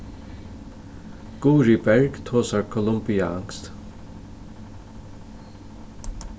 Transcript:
guðrið berg tosar kolumbianskt